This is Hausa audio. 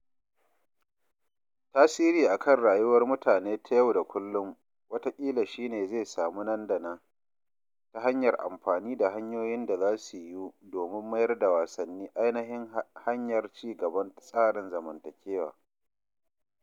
Tasiri a kan rayuwar mutane ta yau da kullum wataƙila shi ne zai samu nan da nan, ta hanyar amfani da hanyoyin da za su yiwu domin mayar da wasanni ainihin hanayar ci gaban tsarin zamantakewa.